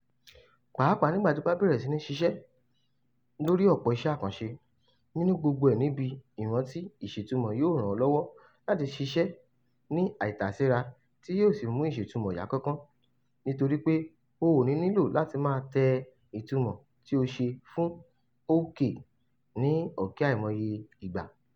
Pàápàá nígbà tí o bá bẹ̀rẹ̀ sí ní ṣiṣẹ́ lórí ọ̀pọ̀ iṣẹ́ àkànṣe, níní gbogbo ẹ̀ níbi ìrántí ìṣètumọ̀ yóò ràn ọ lọ́wọ́ láti ṣiṣẹ́ ní àìtàséra tí yóò sì mú ìṣètumọ̀ yá kánkán, nítorí pé o ò ní nílò láti máa tẹ ìtumọ̀ tí o ṣe fún "OK" ní àkàìmọye ìgbà.